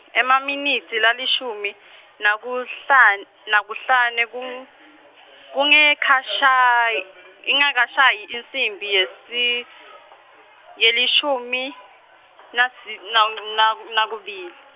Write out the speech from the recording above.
u Emaminitsi lalishumi , nakuhlan- nakuhlanu kung- kunye, ingakashayi, ingakashayi insimbi yesi- yelishumi nasi, nang- na- nakubili.